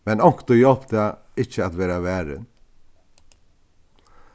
men onkuntíð hjálpir tað ikki at vera varin